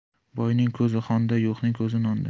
boyning ko'zi xonda yo'qning ko'zi nonda